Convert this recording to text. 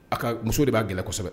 A ka muso de b'a gɛlɛn kosɛbɛ